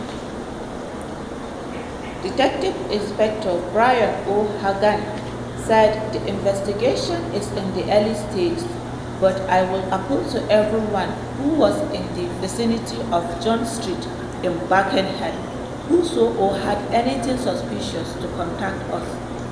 Detective Inspector Brian O'Hagan said: 'The investigation is in the early stages but I would appeal to anyone who was in the vicinity of John Street in Birkenhead who saw or heard anything suspicious to contact us.